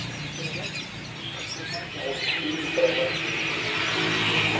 мультфильм про машинки